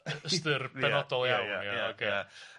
ystyr benodol iawn. Ia ia ia. Ocê.